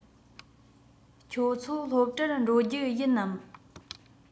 ཁྱོད ཚོ སློབ གྲྭར འགྲོ རྒྱུ ཡིན ནམ